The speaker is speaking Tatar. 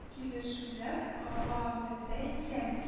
Килешүләр гамәлдә икән